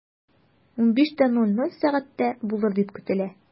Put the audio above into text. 15.00 сәгатьтә булыр дип көтелә.